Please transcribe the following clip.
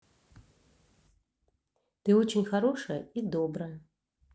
ты очень хорошая и добрая